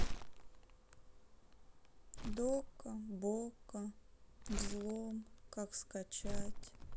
дока бока взлом как скачать